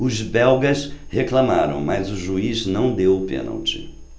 os belgas reclamaram mas o juiz não deu o pênalti